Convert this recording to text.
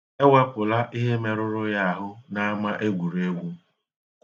E wepụla ihe merụrụ ya ahụ n'ama egwuregwu.